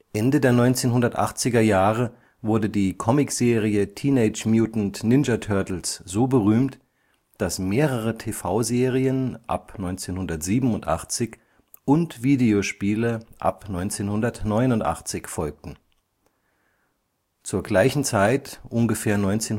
Ende der 1980er-Jahre wurde die Comic-Serie Teenage Mutant Ninja Turtles so berühmt, das mehrere TV-Serien (ab 1987) und Videospiele (ab 1989) folgten. Zur gleichen Zeit (1988